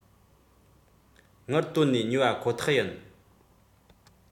དངུལ བཏོན ནས ཉོ བ ཁོ ཐག ཡིན